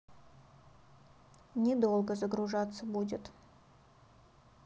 не долго загружаться будет